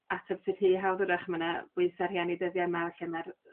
ateb sy rhy hawdd 'w'rach ma' 'na bwysa rhieni dyddia' 'ma le ma'r